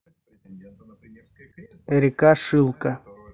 река шилка